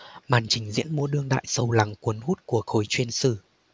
màn trình diễn múa đương đại sâu lắng và cuốn hút của khối chuyên sử